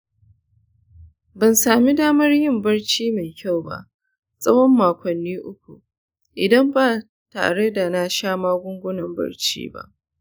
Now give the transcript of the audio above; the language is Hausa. ban sami damar yin barci mai kyau ba tsawon makonni uku idan ba tare da na sha magungunan barci ba.